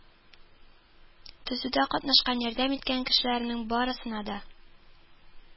Төзүдә катнашкан, ярдәм иткән кешеләрнең барысына да